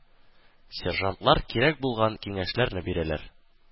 Сержантлар кирәк булган киңәшләрне бирәләр.